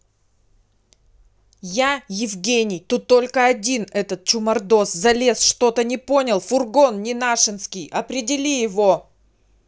я евгений тут только один этот чумардос залез что то не понял фургон ненашинский определи его